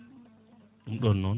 ɗum ɗon noon